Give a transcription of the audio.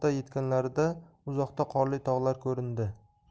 yetganlarida uzoqda qorli tog'lar ko'rindi